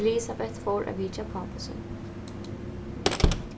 elisabet fór at vitja pápa sín